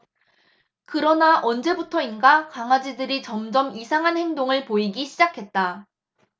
그러나 언제부터인가 강아지들이 점점 이상한 행동을 보이기 시작했다